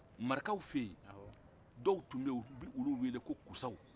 marakaw fɛ yen dɔw tun bɛ yen u b'u olu wele ko kusaw